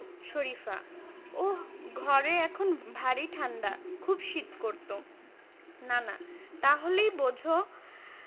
শরিফা ওহ ঘরে এখন ভারি ঠাণ্ডা খুব শীত করত নানা তা হলেই বোঝ